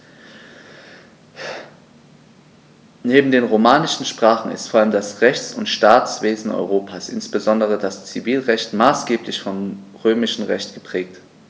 Neben den romanischen Sprachen ist vor allem das Rechts- und Staatswesen Europas, insbesondere das Zivilrecht, maßgeblich vom Römischen Recht geprägt.